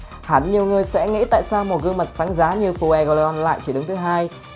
hẳn nhiều người sẽ nghĩ tại sao gương mặt sáng giá như fuegoleon lại chỉ đứng thứ